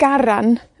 Garan